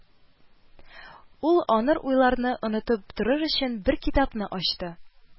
Ул, аныр уйларны онытып торыр өчен, бер китапны ачты